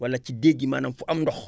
wala ci déeg yi maanaam fu am ndox